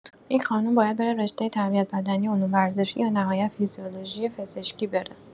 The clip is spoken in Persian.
این خانم باید بره رشته تربیت‌بدنی علوم ورزشی یا نهایت فیزیولوژی پزشکی بره